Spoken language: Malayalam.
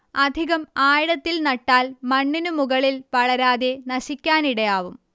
അധികം ആഴത്തിൽ നട്ടാൽ മണ്ണിനു മുകളിൽ വളരാതെ നശിക്കാനിടയാവും